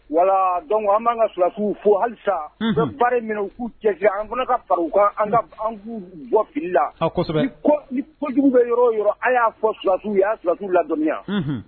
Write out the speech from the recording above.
Wala dɔn an b'an ka sulasiww fo halisa ka baara minɛ u k'u jɛ an fana ka barow kan an ka an bɔ fili la ko jugu bɛ yɔrɔ yɔrɔ a y'a fɔ sulasiw y' filalasiww la dɔnmiya